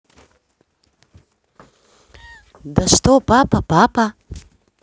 да что папа папа